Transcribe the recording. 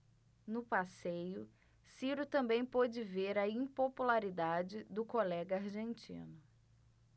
no passeio ciro também pôde ver a impopularidade do colega argentino